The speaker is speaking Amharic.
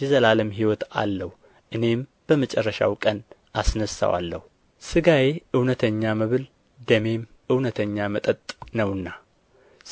የዘላለም ሕይወት አለው እኔም በመጨረሻው ቀን አስነሣዋለሁ ሥጋዬ እውነተኛ መብል ደሜም እውነተኛ መጠጥ ነውና